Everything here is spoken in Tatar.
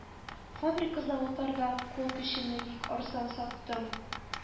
— фабрика-заводларда кул көчемне бик арзан саттым.